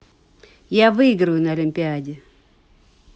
я выиграю на олимпиаде